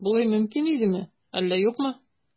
Болай мөмкин идеме, әллә юкмы?